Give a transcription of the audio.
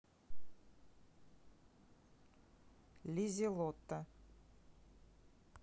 лизелотта